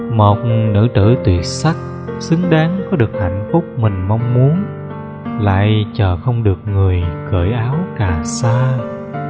một nữ tử tuyệt sắc xứng đáng có được hạnh phúc mình mong muốn lại chờ không được người cởi áo cà sa